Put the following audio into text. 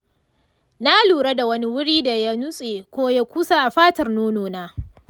na lura da wani wuri da ya nutse ko ya kusa a fatar nonona.